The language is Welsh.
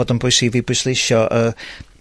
bod o'n bwysig i fi bwysleisio y